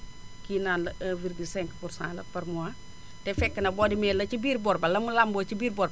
kii naan la 1,5 pour cent la par mois te fekk na boo demee la ca biir bor ba la mu lamboo ci biir bor ba